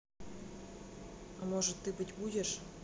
а может ты быть будешь